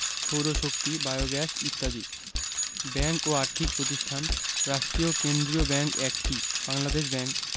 সৌরশক্তি বায়োগ্যাস ইত্যাদি ব্যাংক ও আর্থিক প্রতিষ্ঠানঃ রাষ্ট্রীয় কেন্দ্রীয় ব্যাংক ১টি বাংলাদেশ ব্যাংক